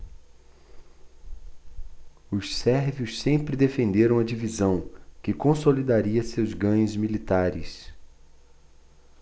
os sérvios sempre defenderam a divisão que consolidaria seus ganhos militares